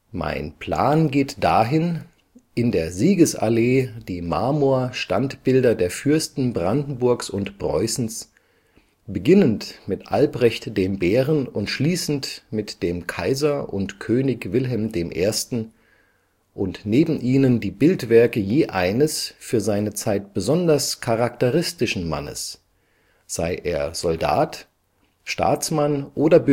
Mein Plan geht dahin, in der Siegesallee die Marmor-Standbilder der Fürsten Brandenburgs und Preußens, beginnend mit Albrecht dem Bären und schließend mit dem Kaiser und König Wilhelm I., und neben ihnen die Bildwerke je eines, für seine Zeit besonders charakteristischen Mannes, sei er Soldat, Staatsmann oder